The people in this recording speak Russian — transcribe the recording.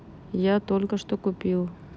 я только что купил